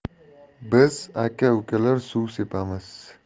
biz aka ukalar suv sepamiz